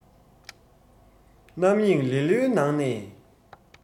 རྣམ གཡེང ལེ ལོའི ནང ནས